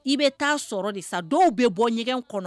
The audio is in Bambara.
I bɛ taa sɔrɔ de sa dɔw bɛ bɔ ɲɛgɛn kɔnɔ